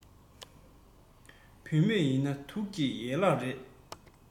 བུད མེད ཡིན ན བདུད ཀྱི ཡན ལག རེད